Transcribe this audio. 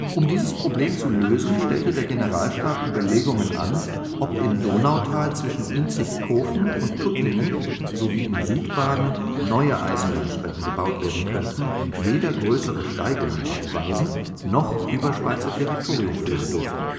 Um dieses Problem zu lösen, stellte der Generalstab Überlegungen an, ob im Donautal zwischen Inzigkofen und Tuttlingen sowie in Südbaden neue Eisenbahnstrecken gebaut werden könnten, die weder größere Steigungen aufweisen noch über Schweizer Territorium führen durften